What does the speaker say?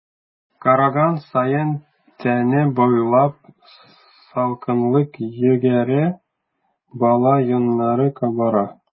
Караган саен тәне буйлап салкынлык йөгерә, бала йоннары кабара.